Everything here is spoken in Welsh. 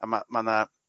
A ma' ma' 'na